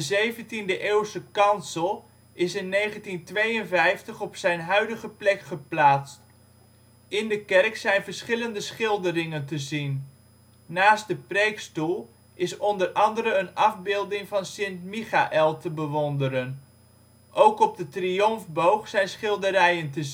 12e eeuw. De 17e-eeuwse kansel is in 1952 op zijn huidige plek geplaatst. In de kerk zijn verschillende schilderingen te zien. Naast de preekstoel is onder andere een afbeelding van St. Michael te bewonderen. Ook op de triomfboog zijn schilderingen te